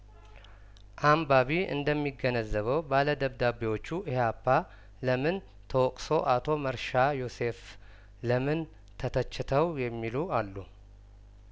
አንባቢ እንደሚገነዘበው ባለደብዳቤዎቹ ኢህአፓ ለምን ተወቅሶ አቶ መርሻ ዮሴፍ ለምን ተተችተው የሚሉ አሉ